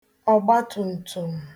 ọ̀gbatùmtùm